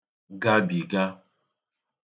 gabìga